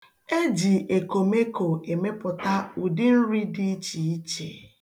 E ji ekomeko emepụta ụdị nri dị ichiiche.